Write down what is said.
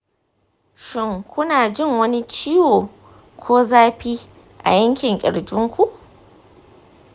shin kuna jin wani ciwo ko zafi a yankin kirjinku?